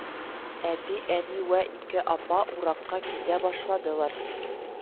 Әти әни вә ике апа уракка китә башладылар